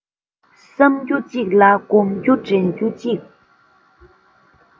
བསམ རྒྱུ གཅིག ལ བསྒོམ རྒྱུ དྲན རྒྱུ གཅིག